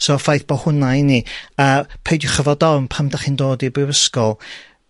So y ffaith bo' hwnna i ni, a peidiwch â fod ofn pan 'dach chi'n dod i'r brifysgol.